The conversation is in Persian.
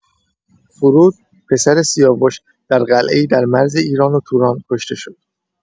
فرود، پسر سیاوش، در قلعه‌ای در مرز ایران و توران کشته شد.